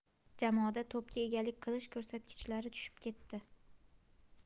jamoada to'pga egalik qilish ko'rsatkichlari tushib ketdi